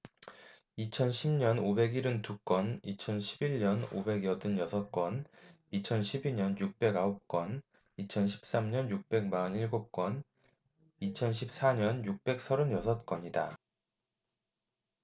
이천 십 년 오백 일흔 두 건 이천 십 일 년 오백 여든 여섯 건 이천 십 이 년 육백 아홉 건 이천 십 삼 년 육백 마흔 일곱 건 이천 십 사 년 육백 서른 여섯 건이다